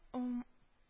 Ыммм